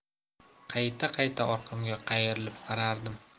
qayta qayta orqamga qayrilib qarardim